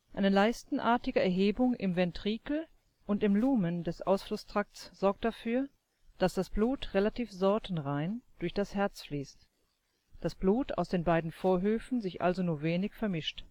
Eine leistenartige Erhebung im Ventrikel und im Lumen des Ausflusstrakts sorgt dafür, dass das Blut relativ „ sortenrein “durch das Herz fließt, das Blut aus den beiden Vorhöfen sich also nur wenig vermischt